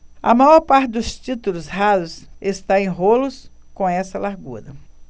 a maior parte dos títulos raros está em rolos com essa largura